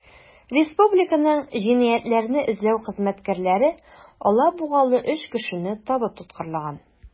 Республиканың җинаятьләрне эзләү хезмәткәрләре алабугалы 3 кешене табып тоткарлаган.